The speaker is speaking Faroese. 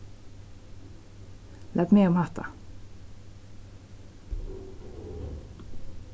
lat meg um hatta